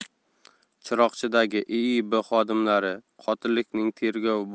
chiroqchidagi iib xodimlari qotilligining tergovi